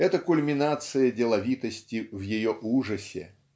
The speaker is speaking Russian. это кульминация деловитости в ее ужасе.